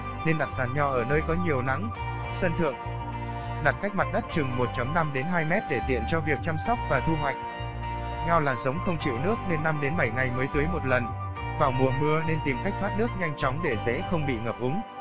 nên đặt giàn cây ở nơi có nhiều nắng sân thượng đặt cách mặt đất chừng m để tiện cho việc chăm sóc và thu hoạch nho là giống không chịu nước nên ngày mới tưới lần vào mùa mưa nên tìm cách thoát nước nhanh chóng để rễ không bị ngập úng